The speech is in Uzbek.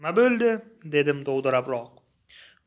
nima bo'ldi dedim dovdirabroq